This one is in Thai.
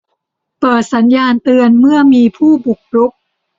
เปิดสัญญาณเตือนเมื่อมีผู้บุกรุก